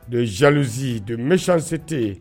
Don zi z don misite yen